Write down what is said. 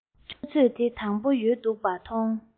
ཆུ ཚོད དེ དང པོ ཡོལ འདུག པ མཐོང